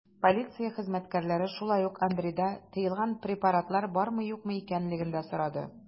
Полиция хезмәткәре шулай ук Андрейда тыелган препаратлар бармы-юкмы икәнлеген дә сорады.